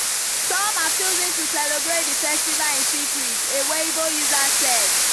Some have chosen to celebrate the festival in secret. A Weibo user said: